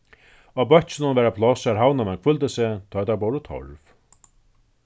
á bøkkinum var eitt pláss har havnarmenn hvíldu seg tá ið teir bóru torv